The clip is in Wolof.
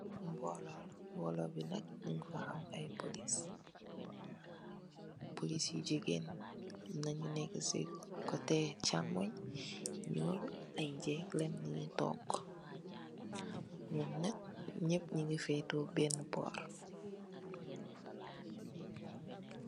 Mboolo la, mboolo bi nak, nyun fa am ay polis, polis yu jigeen, amna nyun nekk si kote caamony, nyul ay jeeg len, nyungi toog, nyun nak yapp, nyingi feetu benne boor